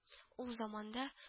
Ул заманда